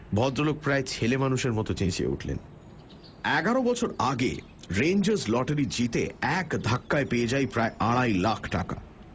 ভদ্রলোক প্রায় ছেলেমানুষের মতো চেচিয়ে উঠলেন এগারো বছর আগে রেঞ্জার্স লটারি জিতে এক ধাক্কায় পেয়ে যাই প্রায় আড়াই লাখ টাকা